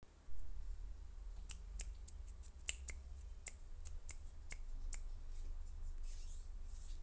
обожаю учиться и узнавать что то новое делаю это каждый день